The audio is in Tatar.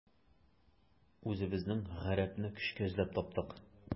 Үзебезнең гарәпне көчкә эзләп таптык.